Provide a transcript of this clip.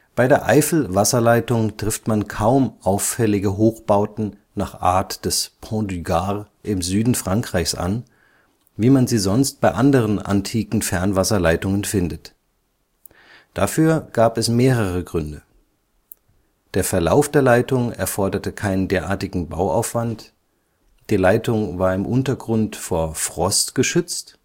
Bei der Eifelwasserleitung trifft man kaum auffällige Hochbauten nach Art des Pont du Gard im Süden Frankreichs an, wie man sie sonst bei anderen antiken Fernwasserleitungen findet. Dafür gab es mehrere Gründe: Der Verlauf der Leitung erforderte keinen derartigen Bauaufwand. Die Leitung war im Untergrund vor Frost geschützt